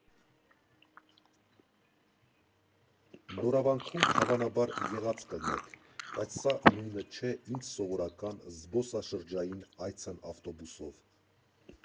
Նորավանքում հավաբանար եղած կլինեք, բայց սա նույնը չէ, ինչ սովորական զբոսաշրջային այցն ավտոբուսով։